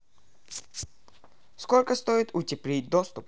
сколько стоит утеплить доступ